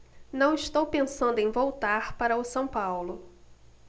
não estou pensando em voltar para o são paulo